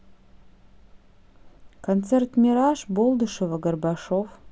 концерт мираж болдышева горбашов